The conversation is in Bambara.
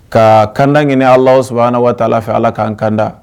Ka kanda ɲini ala sabanan waati t' a fɛ ala ka'an kanda